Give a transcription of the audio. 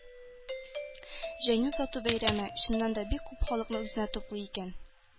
Җәйне озату бәйрәме, чыннан да, бик күп халыкны үзенә туплый икән.